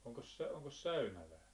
onkos onkos säynävää